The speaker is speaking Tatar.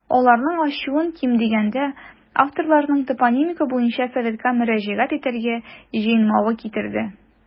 Аларның ачуын, ким дигәндә, авторларның топонимика буенча советка мөрәҗәгать итәргә җыенмавы китерде.